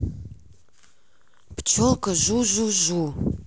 пчелка жу жу жу